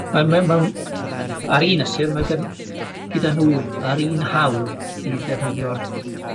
fel mae mewn ar un ystyr mae gyn gyda nhw yr un hawl i ddefnyddio'r